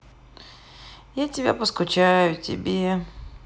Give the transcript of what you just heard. я тебя поскучаю тебе